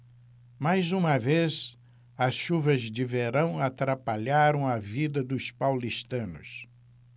mais uma vez as chuvas de verão atrapalharam a vida dos paulistanos